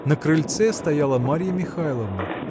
На крыльце стояла Марья Михайловна.